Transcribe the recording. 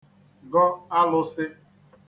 gọ alụ̄sị̄